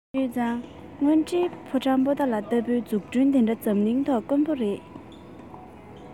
ཞུས ཙང དངོས འབྲེལ ཕོ བྲང པོ ཏ ལ ལྟ བུའི འཛུགས སྐྲུན དེ འདྲ འཛམ གླིང ཐོག དཀོན པོ རེད